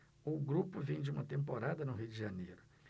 o grupo vem de uma temporada no rio de janeiro